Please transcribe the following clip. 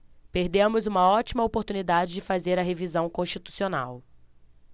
perdemos uma ótima oportunidade de fazer a revisão constitucional